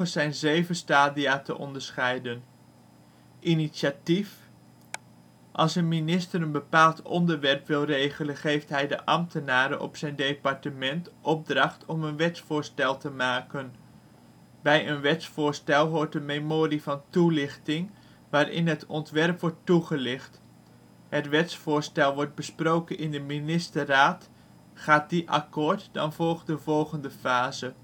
zijn zeven stadia te onderscheiden: Initiatief Als een minister een bepaald onderwerp wil regelen, geeft hij de ambtenaren op zijn departement opdracht om een wetsvoorstel te maken. Bij een wetsvoorstel hoort een memorie van toelichting (MvT), waarin het ontwerp wordt toegelicht. Het wetsvoorstel wordt besproken in de ministerraad, gaat die akkoord dan volgt de volgende fase